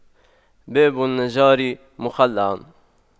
باب النجار مخَلَّع